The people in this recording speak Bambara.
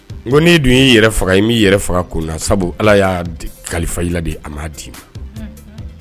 N' dun y'i yɛrɛ faga in'i yɛrɛ faga ko sabu ala y'a kalifala de a'a d'i ma